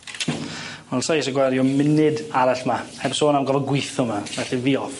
Wel sai isie gwario munud arall 'ma heb sôn am gorfod gwitho 'ma felly fi off.